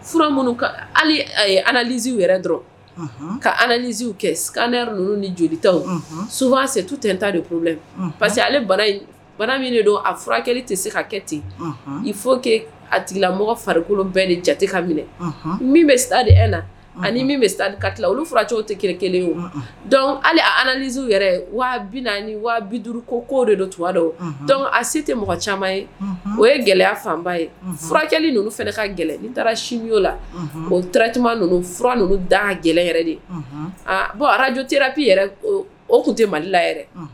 F minnuliziw yɛrɛ dɔrɔn kaliziw kɛ kanɛ ninnu ni joli su se tu tɛta de pa parce que bana min de don a furakɛ tɛ se ka kɛ ten i fo kɛ a tigila mɔgɔ fari farikolo bɛɛ ni jate ka minɛ min bɛ se de e na ani min bɛ ka tila olu furacɛ tɛ ke kelen o halilizo yɛrɛbi wabi duuru ko ko de don tu dɔnkuc a se tɛ mɔgɔ caman ye o ye gɛlɛya fanba ye furakɛli ninnu fana ka gɛlɛya n' taara sin oo la oura caman ninnu fura ninnu dan gɛlɛya yɛrɛ de aaa bɔn arajo te k'i yɛrɛ o tun tɛ malila yɛrɛ